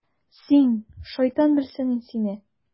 Син, шайтан белсен сине...